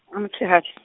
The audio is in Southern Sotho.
a motshehadi.